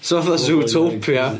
'Sa fo fatha Zootopia.